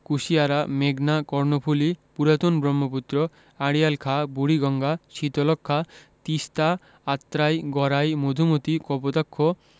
কুশিয়ারা মেঘনা কর্ণফুলি পুরাতন ব্রহ্মপুত্র আড়িয়াল খাঁ বুড়িগঙ্গা শীতলক্ষ্যা তিস্তা আত্রাই গড়াই মধুমতি কপোতাক্ষ